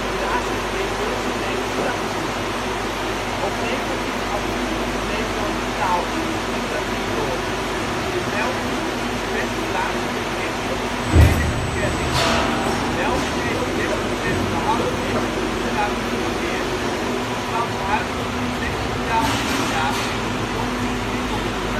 naast het Limburgs en Nedersaksisch. Op negatief advies van de Nederlandse Taalunie ging dat niet door. In België geniet het West-Vlaams geen enkele officiële erkenning. België heeft het desbetreffende Handvest niet geratificeerd om ' s lands huidige complexe taalsituatie niet nog ingewikkelder